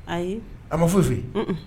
Ayi a ma foyi fɛ yen